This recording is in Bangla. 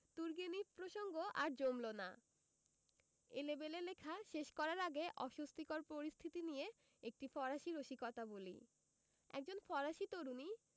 তুর্গেনিভ প্রসঙ্গ আর জমল না এলেবেলে লেখা শেষ করার আগে অস্বস্তিকর পরিস্থিতি নিয়ে একটি ফরাসি রসিকতা বলি একজন ফরাসি তরুণী